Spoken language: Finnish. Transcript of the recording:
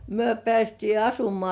me päästiin asumaan